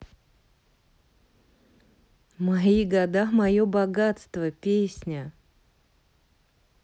мои года мое богатство песня